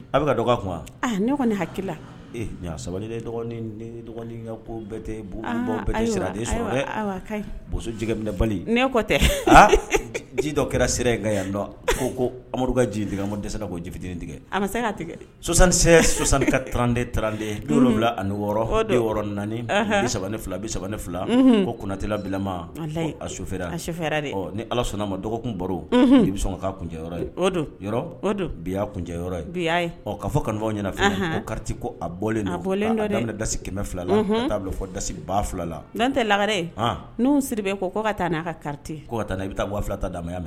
A bɛ ka dɔgɔ kun ne kɔni hakilila sabali dɔgɔnin dɔgɔnin ko bɛɛte bon den sɔrɔ bo bali ne kɔ tɛ ji dɔ kɛra sira ka yan ko ko amadu ka ji tigɛ ma dɛsɛse ka' jifitinin tigɛ a se tigɛ sɔsankisɛ sɔsanni ka tranden trantewula ani wɔɔrɔ wɔɔrɔ naani ni saba ne fila a bɛ saba ne fila kotɛla bilama a so a sofɛ ni ala sɔnna' ma dɔgɔkun baro i bɛ sɔn ka kuncɛ ye o bi kuncɛ ye bi ka fɔ kanufɔ ɲɛna koti ko a bɔlen alensi kɛmɛ fila k'a bila da ba fila la n' tɛ lagaɛrɛre n' siri bɛ ko k' ka taa n' a kati ko ka taa i bɛ taa bɔ fila ta'ya la